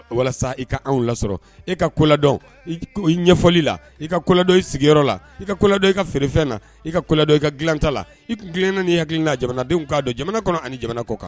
Walasa i ka anw lasɔrɔ e ka kɔlɛdɔn i ɲɛfɔli la i ka kɔlɔdɔ i sigiyɔrɔ la i ka kɔlɛdɔ i ka feerefɛn na i ka kɔlɛdɔ i ka dilata la i kun tilenna ni hakili la jamanadenw k kaa don jamana kɔnɔ ani jamana kɔ kan